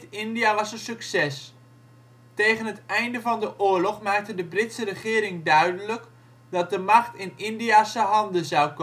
India " was een succes. Tegen het einde van de oorlog maakte de Britse regering duidelijk dat de macht in Indiase handen zou komen